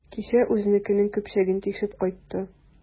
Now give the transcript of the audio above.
Кичә үзенекенең көпчәген тишеп кайтты.